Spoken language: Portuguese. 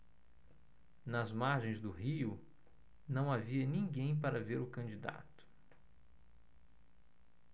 nas margens do rio não havia ninguém para ver o candidato